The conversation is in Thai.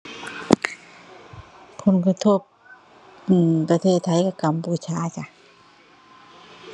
ผลกระทบ อือ ประเทศไทยกับกัมพูชาจ้ะ